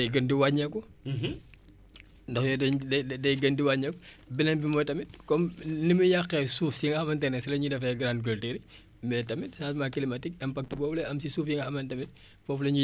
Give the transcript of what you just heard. ndox yooyu da~bn day gën di wàññeeku beneen bi mooy tamit comme ni muy yàqee suuf si nga xamante ne si la ñuy defee grande culture yi mais tamit changement climatique impact boobu lay am ci suuf yi nga xam ne tamit foofu la ñuy di defee marai maraichage bi